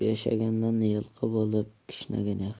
yilqi bo'lib kishnagan yaxshi